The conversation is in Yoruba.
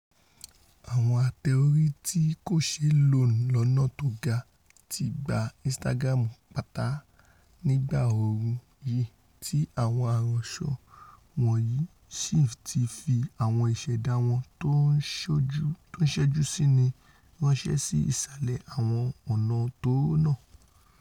Àwọn ate-ori tí kòṣeé lò lọ́nà tóga ti gba Instagram pátá nígbà ooru yìí ti àwọn aránsọ wọ̀nyí sì ti fi àwọn ìṣẹ̀dá wọn tó ńṣẹ́jú síni ránṣẹ́ sí ìsàlẹ̀ àwọn ọ̀nà tóóró náa.